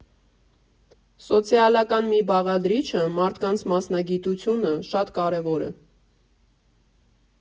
Սոցիալական մի բաղադրիչը՝ մարդկանց մասնագիտությունը, շատ կարևոր է։